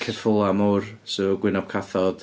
Ceffylau mawr sy efo gwyneb cathod.